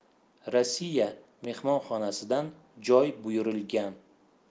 rossiya mehmonxonasidan joy buyurilgan